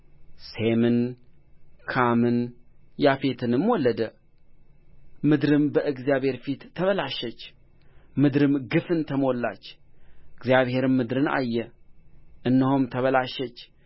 ኖኅም እንዲሁ አደረገ እግዚአብሔር እንዳዘዘው ሁሉ እንዲሁ አደረገ